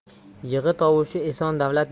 yig'i tovushi eson davlat